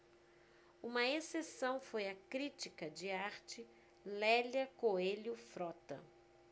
uma exceção foi a crítica de arte lélia coelho frota